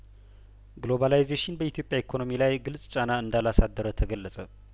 ግሎባላይዜሽን በኢትዮጵያ ኢኮኖሚ ላይ ግልጽ ጫና እንዳላ ሳደረ ተገለጸ